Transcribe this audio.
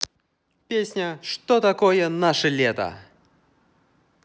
песня что такое наше лето